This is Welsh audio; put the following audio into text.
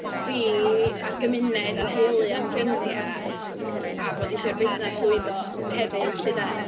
Fi a'r gymuned, a'n nheulu a'n ffrindiau, a bod isio i'r busnes lwyddo hefyd lly 'de.